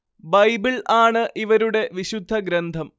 Bible ആണ് ഇവരുടെ വിശുദ്ധ ഗ്രന്ഥം